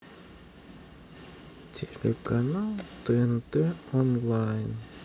телеканал тнт онлайн